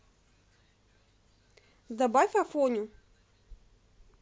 добавь афоню